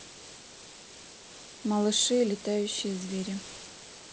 малыши и летающие звери